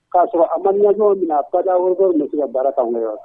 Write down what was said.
K'a sɔrɔ a imagination bɛ na